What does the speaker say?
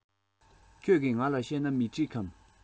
ཁྱེད ཀྱི ང ལ གཤད ན མི གྲིག གམ